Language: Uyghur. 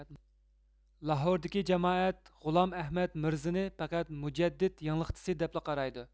لاھوردىكى جامائەت غۇلام ئەھمەد مىرزىنى پەقەت مۇجەدىد يېڭىلىقچىسى دەپلا قارايدۇ